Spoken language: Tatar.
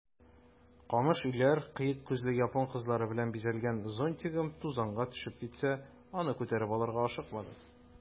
Камыш өйләр, кыек күзле япон кызлары белән бизәлгән зонтигым тузанга төшеп китсә, аны күтәреп алырга ашыкмадым.